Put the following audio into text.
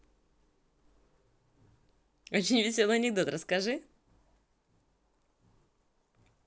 очень веселый анекдот расскажи